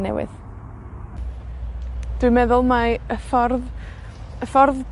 Newydd. Dwi'n meddwl mai y ffordd, y ffordd